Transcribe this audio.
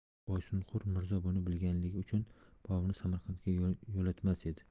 boysunqur mirzo buni bilganligi uchun boburni samarqandga yo'latmas edi